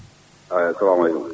eyyi salamu aleykum